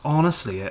Honestly